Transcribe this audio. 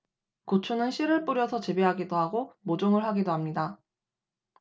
고추는 씨를 뿌려서 재배하기도 하고 모종을 하기도 합니다